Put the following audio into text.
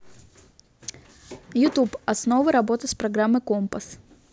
ютуб основы работы с программой компас